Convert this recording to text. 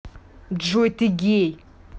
джой ты гей